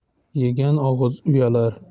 yegan og'iz uyalar